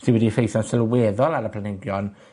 sy wedi effeithio'n sylweddol ar y planhigion,